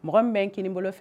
Mɔgɔ bɛ n kelen bolo fɛ